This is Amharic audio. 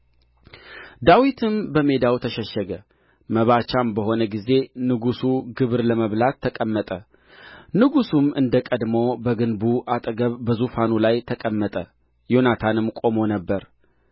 ዳዊትም በሜዳው ተሸሸገ መባቻም በሆነ ጊዜ ንጉሡ ግብር ለመብላት ተቀመጠ ንጉሡም እንደ ቀድሞው በግንቡ አጠገብ በዙፋኑ ላይ ተቀመጠ ዮናታንም ቆሞ ነበር